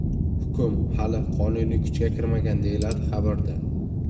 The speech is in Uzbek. hukm hali qonuniy kuchga kirmagan deyiladi xabarda